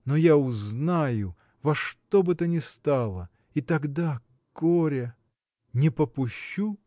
Но я узнаю, во что бы то ни стало, и тогда горе. Не попущу